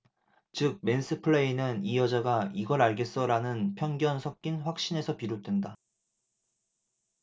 즉 맨스플레인은 이 여자가 이걸 알겠어 라는 편견 섞인 확신에서 비롯된다